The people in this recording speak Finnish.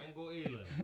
niin kuin ilman